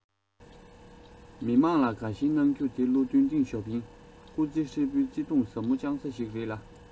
མི དམངས ལ དགའ ཞེན གནང རྒྱུ དེ བློ མཐུན ཏེང ཞའོ ཕིང སྐུ ཚེ ཧྲིལ པོའི བརྩེ དུང ཟབ མོ བཅངས ས ཞིག རེད ལ